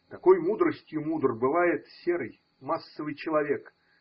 Такою мудростью мудр бывает серый, массовый человек.